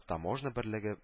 Таможня берлеге